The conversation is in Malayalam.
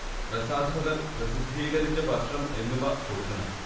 പ്രസാധകർ പ്രസിദ്ധീകരിച്ച വർഷം എന്നിവ കൊടുക്കണം